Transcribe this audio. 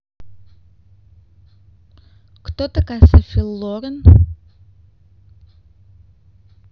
кто такая софи лорен